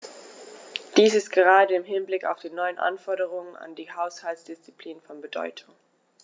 Dies ist gerade im Hinblick auf die neuen Anforderungen an die Haushaltsdisziplin von Bedeutung.